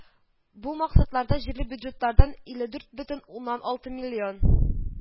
Бу максатларда җирле бюджетлардан илле дүрт бөтен уннан алты миллион